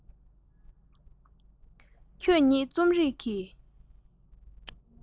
ཁྱོད ཉིད རྩོམ རིག གི